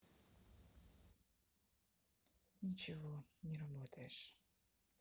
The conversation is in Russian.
ничего не работаешь